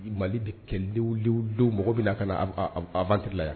Mali de kɛlɛ don mɔgɔ bɛ na a ka natela yan